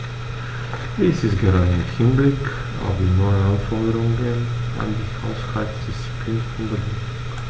Dies ist gerade im Hinblick auf die neuen Anforderungen an die Haushaltsdisziplin von Bedeutung.